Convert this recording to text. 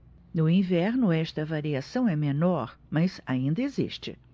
no inverno esta variação é menor mas ainda existe